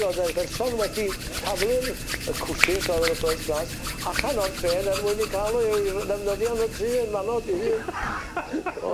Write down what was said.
O'dd y person wedi taflu'r y cwshins o'dd yn y first class allan o'r trên er mwyn 'u ca'l nw i'r ddefnyddio yn y tŷ yn manod 'i hun.